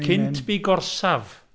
Cynt bu gorsaf.